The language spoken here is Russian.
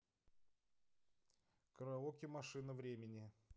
караоке машина времени